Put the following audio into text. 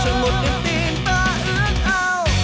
chờ một niềm tin ta ước ao